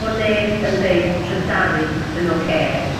bod neb yn deud bo' trydaru yn ocê...